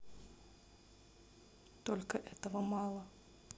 только этого мало